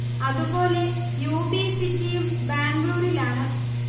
അതു പോലെ U B സിറ്റിയും ബാംഗ്ലൂരിലാണ്